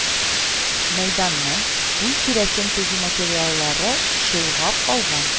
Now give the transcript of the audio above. Мәйданны, күл тирәсен төзү материаллары чолгап алган